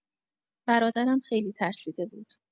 برادرم خیلی ترسیده بود.